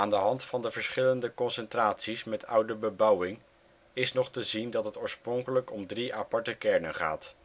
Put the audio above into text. de hand van de verschillende concentraties met oude bebouwing is nog te zien dat het oorspronkelijk om drie aparte kernen gaat